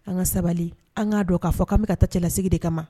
An ka sabali an k'a don k'a fɔ k'an bɛ ka ta cɛlasigi de kama ma